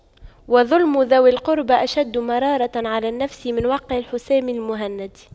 وَظُلْمُ ذوي القربى أشد مرارة على النفس من وقع الحسام المهند